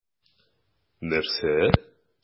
Нәрсә?!